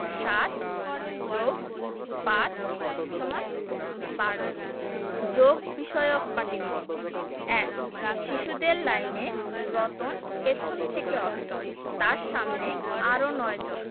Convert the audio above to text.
৭+৫ = ১২ যোগ বিষয়ক পাটিগনিতঃ ১ শিশুদের লাইনে রতন পেছন থেকে অষ্টম তার সামনে আরও ৯ জন